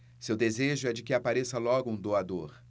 seu desejo é de que apareça logo um doador